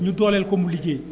ñu dooleel ko mu liggéey